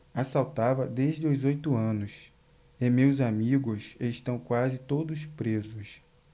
assaltava desde os oito anos e meus amigos estão quase todos presos